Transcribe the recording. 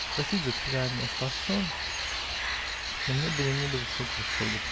Простите за тривиальное словцо, но мне было не до высокого слога.